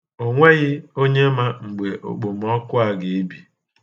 O nweghị onye ma okpomọku a ga-ebi.